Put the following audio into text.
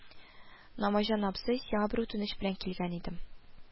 – намаҗан абзый, сиңа бер үтенеч белән килгән идем